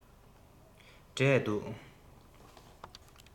འབྲས འདུག